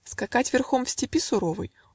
Скакать верхом в степи суровой?